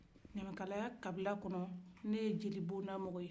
ɲamakalaya kabila kɔnɔ ne ye jeli bonda mɔgɔ ye